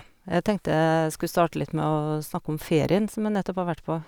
Jeg tenkte jeg skulle starte litt med å snakke om ferien som jeg nettopp har vært på.